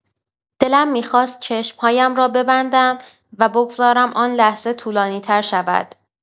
دلم می‌خواست چشم‌هایم را ببندم و بگذارم آن لحظه طولانی‌تر شود.